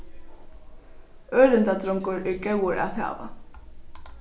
ørindadrongur er góður at hava